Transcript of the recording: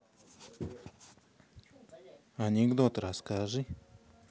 анекдот расскажи